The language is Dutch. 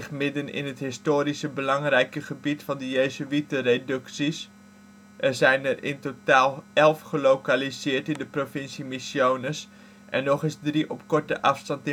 midden in het historische belangrijke gebied van de jezuïten reducties (missieposten). Er zijn er in totaal 11 gelokaliseerd in de provincie Misiones en nog eens drie op korte afstand